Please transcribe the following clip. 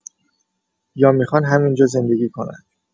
یا میخوان همینجا زندگی کنن